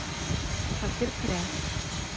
Шакир керә.